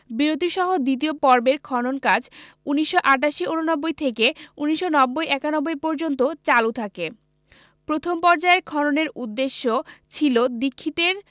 বিরতিসহ দ্বিতীয় পর্বের খনন কাজ ১৯৮৮ ৮৯ থেকে ১৯৯০ ৯১ পর্যন্ত চালু থাকে প্রথম পর্যায়ের খননের উদ্দেশ্য ছিল দীক্ষিতের